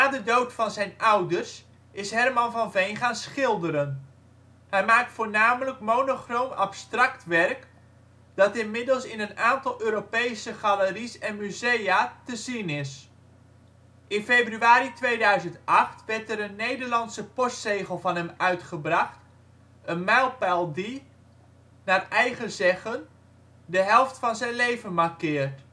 dood van zijn ouders is Herman van Veen gaan schilderen. Hij maakt voornamelijk monochroom abstract werk, dat inmiddels in een aantal Europese galeries en musea te zien is. In februari 2008 werd er een Nederlandse postzegel van hem uitgebracht, een mijlpaal die, naar eigen zeggen, de helft van zijn leven markeert